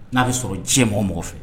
N'a bɛ sɔrɔ diɲɛ mɔgɔ mɔgɔ fɛ